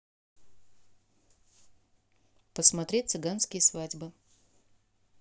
посмотреть цыганские свадьбы